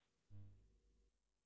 ты че издеваешься